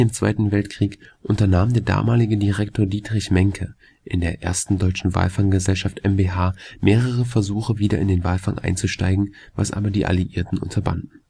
Zweiten Weltkrieg unternahm der damalige Direktor Dietrich Menke in der Ersten Deutschen Walfang-Gesellschaft mbH mehrere Versuche, wieder in den Walfang einzusteigen, was aber die Alliierten unterbanden